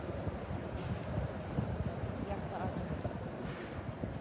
яхта азимут